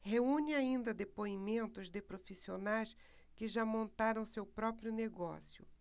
reúne ainda depoimentos de profissionais que já montaram seu próprio negócio